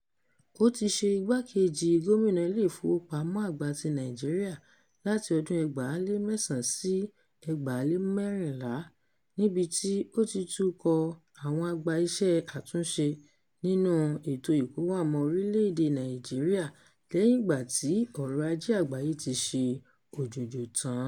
Ó ti ṣe igbá-kejì gómìnà Ilé Ìfowópamọ́ Àgbà ti Nàìjíríà láti ọdún 2009 sí 2014, níbi tí “ó ti tukọ̀ ọ àwọn àgbà iṣẹ́ àtúnṣe nínú ètò ìkówóoamọ́ orílẹ̀ èdè Nàìjíríà lẹ́yìn ìgbà tí ọrọ̀ Ajé àgbáyé ti ṣe òjòjò tán.”